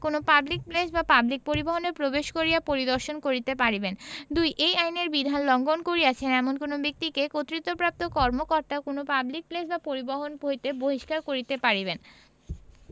কোন public place ও public পরিবহণে প্রবেশ করিয়া পরিদর্শন করিতে পারিবেন ২ এই আইনের বিধান লংঘন করিয়অছেন এমন কোন ব্যক্তিকে কর্তৃত্বপ্রাপ্ত কর্মকর্তঅ কোন পাবলিক প্লেস বা পাবলিক পরিবহণ হইতে বহিষ্কার করিতে পারিবেন